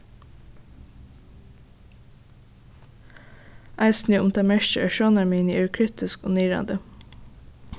eisini um tað merkir at sjónarmiðini eru kritisk og niðrandi